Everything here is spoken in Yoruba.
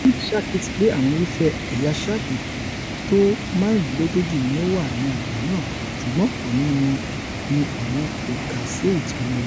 Giles ṣàkíyèsí pé àwọn irúfẹ́ ẹ̀yà sáàkì tó máàrùndínlógójì ni o wà ní agbègbè̀ náà, ṣùgbọ́n ọ̀pọ̀ nínú wọn ni àwọn kò kà sí èyití ó léwu.